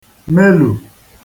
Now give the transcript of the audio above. melù